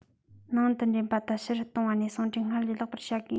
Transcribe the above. ནང དུ འདྲེན པ དང ཕྱི རུ གཏོང བ གཉིས ཟུང འབྲེལ སྔར ལས ལེགས པར བྱ དགོས